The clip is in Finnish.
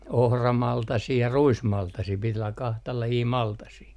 ohramaltasia ja ruismaltasia piti olla kahta lajia maltasia